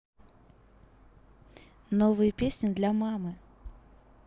новые песни для мамы